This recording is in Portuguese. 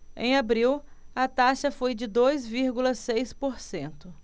em abril a taxa foi de dois vírgula seis por cento